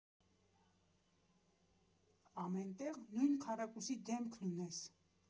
Ամեն տեղ նույն քառակուսի դեմքն ունես։